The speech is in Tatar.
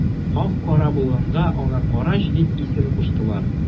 Кап-кара булганга аңа карач дип исем куштылар.